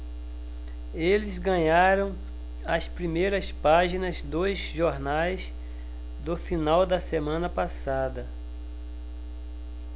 eles ganharam as primeiras páginas dos jornais do final da semana passada